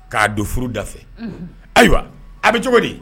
Ka don furuda fɛ. Unhun Ayiwa a bɛ cogo di?